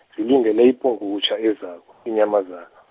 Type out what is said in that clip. zilindele ipungutjha ezako, inyamazana.